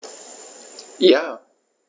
Ja.